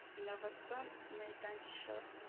Инновацион мәйданчы